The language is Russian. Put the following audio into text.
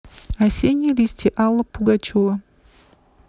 осенние листья алла пугачева